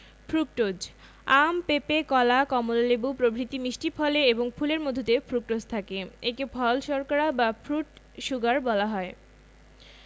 fructose আম পেপে কলা কমলালেবু প্রভৃতি মিষ্টি ফলে এবং ফুলের মধুতে ফ্রুকটোজ থাকে একে ফল শর্করা বা ফ্রুট শুগার বলা হয়ে থাকে